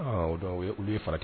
Aa o non u ye ulu ye farati